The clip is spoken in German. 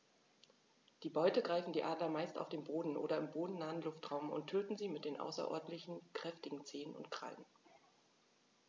Die Beute greifen die Adler meist auf dem Boden oder im bodennahen Luftraum und töten sie mit den außerordentlich kräftigen Zehen und Krallen.